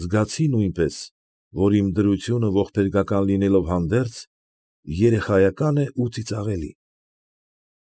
Զգացի նույնպես, որ իմ դրությունը ողբերգական լինելով հանդերձ, երեխայական է ու ծիծաղելի։